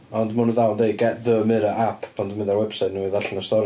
Ond maen nhw dal yn deud Get The Mirror App pan dwi'n mynd ar website nhw i ddarllen y stori.